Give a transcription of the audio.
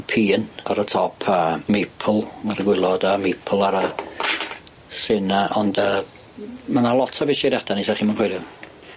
Pîn ar y top a maple ar y gwilod a maple ar y sy 'na ond yy ma' 'na lot o fesuriada ne' sa chi'm yn coelio.